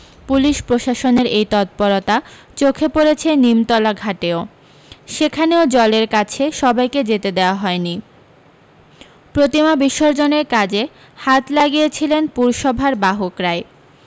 police প্রশাসনের এই তৎপরতা চোখে পড়েছে নিমতলা ঘাটেও সেখানেও জলের কাছে সবাইকে যেতে দেওয়া হয়নি প্রতিমা বিসর্জনের কাজে হাত লাগিয়েছিলেন পুরসভার বাহকরাই